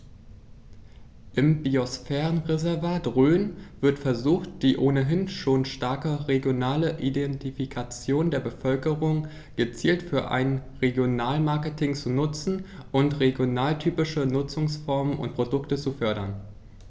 Im Biosphärenreservat Rhön wird versucht, die ohnehin schon starke regionale Identifikation der Bevölkerung gezielt für ein Regionalmarketing zu nutzen und regionaltypische Nutzungsformen und Produkte zu fördern.